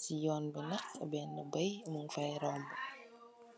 Ci yoon bi nak benn baye mung faye rombu.